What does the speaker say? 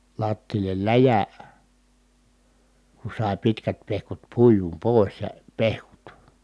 lattialle läjä kun sai pitkät pehkut puitua pois ja pehkut